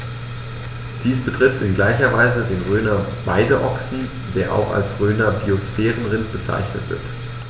Dies betrifft in gleicher Weise den Rhöner Weideochsen, der auch als Rhöner Biosphärenrind bezeichnet wird.